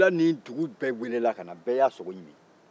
kabila ni dugu bɛɛ weelela ka na bɛɛ y'a sogo ɲimi